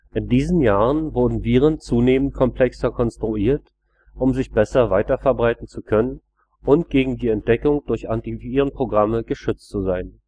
In diesen Jahren wurden Viren zunehmend komplexer konstruiert, um sich besser weiterverbreiten zu können und gegen die Entdeckung durch Antivirenprogramme geschützt zu sein